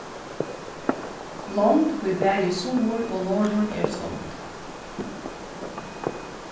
lond í bæði suður og norður eru stongd